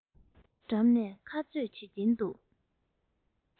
འགྲམ ནས ཁ རྩོད བྱེད ཀྱིན འདུག